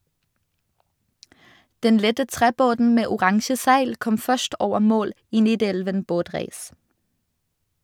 Den lette trebåten med oransje seil kom først over mål i Nidelven båtræs.